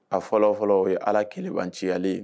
A fɔlɔ fɔlɔ ye ala kelenbanciyalen